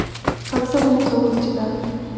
как зовут зовут тебя